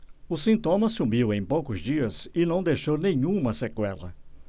o sintoma sumiu em poucos dias e não deixou nenhuma sequela